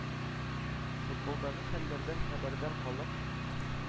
Футболдагы хәлләрдән хәбәрдар халык